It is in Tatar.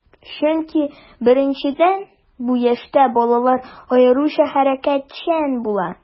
Чөнки, беренчедән, бу яшьтә балалар аеруча хәрәкәтчән була.